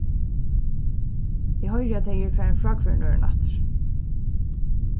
eg hoyri at tey eru farin frá hvørjum øðrum aftur